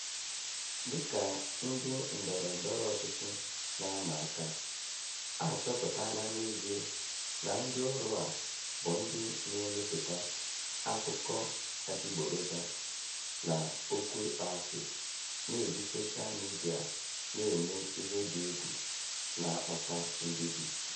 Dị ka ndị ndọrọ ndọrọ ọchịchị na-ama aka, a chọpụtaala n'ezie na ndị ọrụ a bụ ndị na-emepụta akụkọ adịgboroja na okwu ịkpọasị, na-eji soshaa midịa na-eme ihe dị egwu na-akpata mbibi.